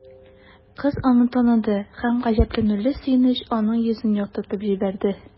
Кыз аны таныды һәм гаҗәпләнүле сөенеч аның йөзен яктыртып җибәрде.